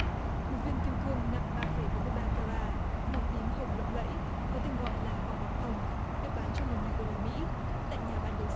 một viên kim cương nặng ba phẩy bốn mươi ba cara màu tím hồng lộng lẫy có tên gọi là bong bóng hồng được bán cho một nhà đô la mỹ tại nhà bán đấu giá